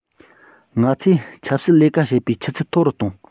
ང ཚོས ཆབ སྲིད ལས ཀ བྱེད པའི ཆུ ཚད མཐོ རུ གཏོང